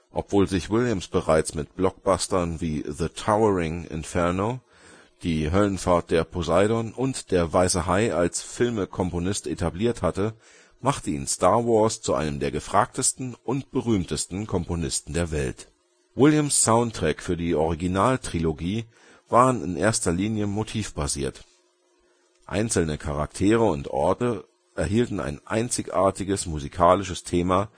Obwohl sich Williams bereits mit Blockbustern, wie The Towering Inferno, Die Höllenfahrt der Poseidon und Der weiße Hai als Filmekomponist etabliert hatte, machte ihn Star Wars zu einem der gefragtesten und berühmtesten Komponisten der Welt. Williams Soundtrack für die Originaltrilogie waren in erster Linie motivbasiert: einzelne Charaktere und Orte erhielten ein einzigartiges musikalisches Thema